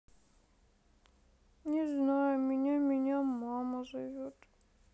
не знаю меня меня мама зовет